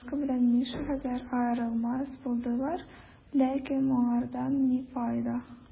Сережка белән Миша хәзер аерылмас булдылар, ләкин моңардан ни файда?